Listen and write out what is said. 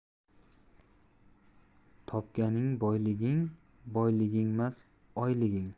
topganing boyliging boyligingmas oyhging